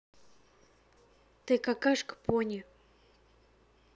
ты какашка пони